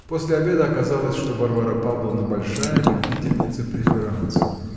После обеда оказалось, что Варвара Павловна большая любительница преферанса